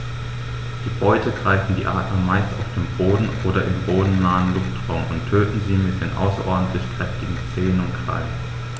Die Beute greifen die Adler meist auf dem Boden oder im bodennahen Luftraum und töten sie mit den außerordentlich kräftigen Zehen und Krallen.